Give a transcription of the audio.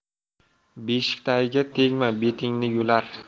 beshikdagiga tegma betingni yular